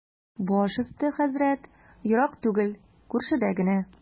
Баш өсте, хәзрәт, ерак түгел, күршедә генә.